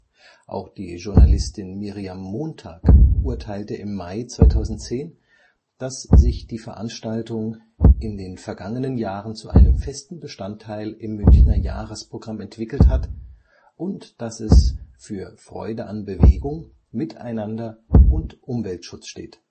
Auch die Journalistin Miriam Montag urteilte im Mai 2010, dass sich die Veranstaltung „ in den vergangenen Jahren zu einem festen Bestandteil im Münchner Jahresprogramm entwickelt “hat und dass es „ für Freude an Bewegung, Miteinander und Umweltschutz “steht